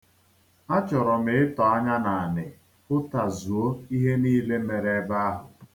Achọrọ m ịtọ anya n'ala hụtazuo ihe niile mere n'ebe ahụ.